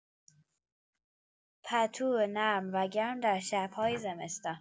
پتو نرم و گرم در شب‌های زمستان